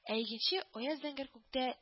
Ә игенче аяз зәңгәр күктә